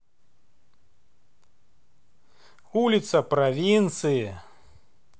улица провинции